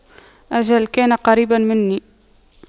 أجل كان قريبا مني